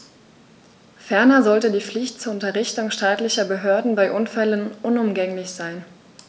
Ferner sollte die Pflicht zur Unterrichtung staatlicher Behörden bei Unfällen unumgänglich sein.